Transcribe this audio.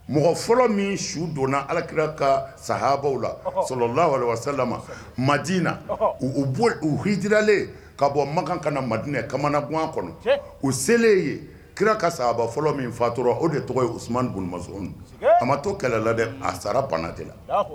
Mɔgɔ fɔlɔ min su donna alaki ka saaabaw la solawalelama ma dina u hralen ka bɔ makan kan ka na madinɛ kamana gan kɔnɔ u selen ye kira ka saaaba fɔlɔ min fatura o de tɔgɔ ye uumanmas a ma to kɛlɛla a sara bana de la